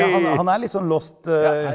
han han er litt sånn lost .